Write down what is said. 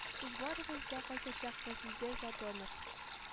Без барыбыз да кайтачакбыз диде задонов